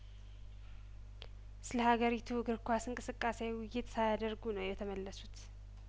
ስለሀገሪቱ እግር ኳስ እንቅስቃሴ ውይይት ሳያደርጉ ነው የተመለሱት